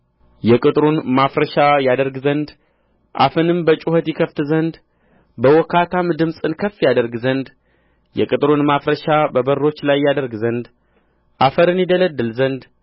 የቅጥሩን ማፍረሻ ያደርግ ዘንድ አፍንም በጩኸት ይከፍት ዘንድ በውካታም ድምፅን ከፍ ያደርግ ዘንድ የቅጥሩን ማፍረሻ በበሮች ላይ ያደርግ ዘንድ አፈርን ይደለድል ዘንድ